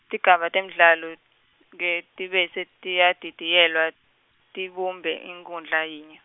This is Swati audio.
tigaba temdlalo, ke tibese tiyadidiyelwa, tibumbe inkhundla yinye.